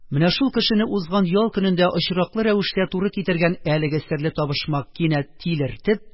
Менә шул кешене узган ял көнендә очраклы рәвештә туры китергән әлеге серле «табышмак» кинәт тилертеп